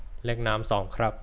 เล็กน้ำสองครับ